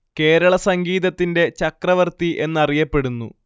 കേരള സംഗീതത്തിന്റെ ചക്രവർത്തി എന്നറിയപ്പെടുന്നു